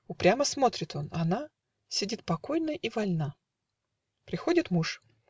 Упрямо смотрит он: она Сидит покойна и вольна. Приходит муж.